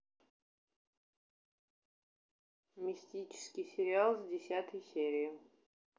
мистический сериал с десятой серии